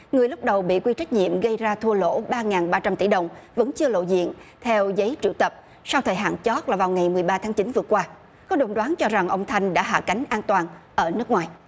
người lúc đầu bị quy trách nhiệm gây ra thua lỗ ba ngàn ba trăm tỷ đồng vẫn chưa lộ diện theo giấy triệu tập sau thời hạn chót là vào ngày mười ba tháng chín vừa qua có đồn đoán cho rằng ông thanh đã hạ cánh an toàn ở nước ngoài